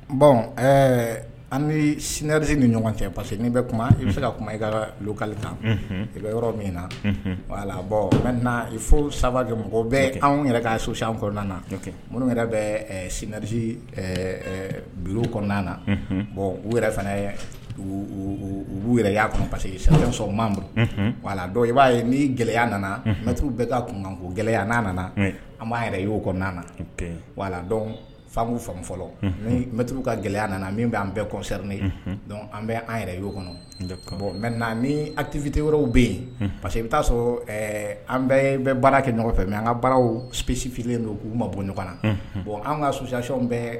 Bon an sinanrisi ni ɲɔgɔn cɛ parce que bɛ kuma i bɛ se ka kuma i kaka ta i ka yɔrɔ min na wala bɔn fo saba mɔgɔ bɛ anw yɛrɛ ka so kɔnɔna na minnu bɛ sinri bi kɔnɔna na bɔn u yɛrɛ fanau yɛrɛ parce wala i b'a ye ni gɛlɛya nana mɛtu bɛ ka kunko gɛlɛyaya n' nana an b'a yɛrɛ y' kɔnɔna na dɔn fan'u fan fɔlɔ ni mɛtu ka gɛlɛya nana min bɛ'an bɛɛ kɔsari ye an bɛ an yɛrɛ' kɔnɔ bɔn mɛ nitifitiri yɔrɔw bɛ yen parce que i bɛ t'a sɔrɔ an bɛ baara kɛ ɲɔgɔn fɛ mɛ an ka baaraw psifilen don k'u ma bɔ ɲɔgɔn na bon an ka sosoyayw bɛɛ